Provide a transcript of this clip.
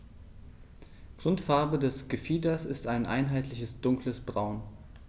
Grundfarbe des Gefieders ist ein einheitliches dunkles Braun.